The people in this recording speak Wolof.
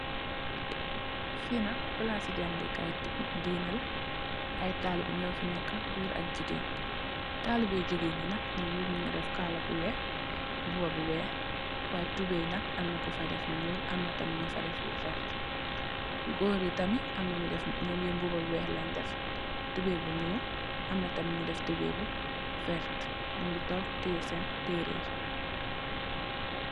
Fii nak palasi jàngeekaay diine la. Ay talibe nyufi neka goor ak jigeen, talibe jigeen yi nak nyungi def kala bu weex sol mboba bu weex, waay tubey yi nak amna nyufa def lu ñuul amna tamit nyufa def lu verte. Goor yi tamit amna nyu def nyum nyepp mboba bu weex lañ def bu ñuul am tamit nyu def lu verye nyungi tok teyeh seen tereh yi.